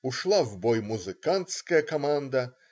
Ушла в бой музыкантская команда.